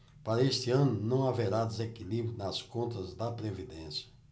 para este ano não haverá desequilíbrio nas contas da previdência